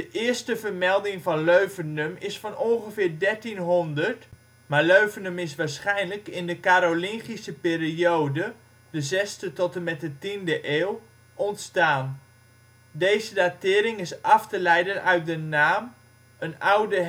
eerste vermelding van Leuvenum is van ongeveer 1300, maar Leuvenum is waarschijnlijk in de Karolingische periode (zesde t/m de tiende eeuw) ontstaan. Deze datering is af te leiden uit de naam, een oude heemnaam